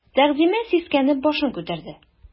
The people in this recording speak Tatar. Тәгъзимә сискәнеп башын күтәрде.